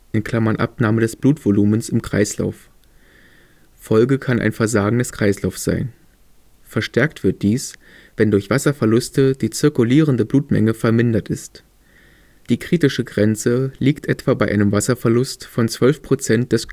Erhöhung der Körpertemperatur (Abnahme des Blutvolumens im Kreislauf). Folge kann ein Versagen des Kreislaufs sein. Verstärkt wird dies, wenn durch Wasserverluste die zirkulierende Blutmenge vermindert ist. Die kritische Grenze liegt etwa bei einem Wasserverlust von 12 % des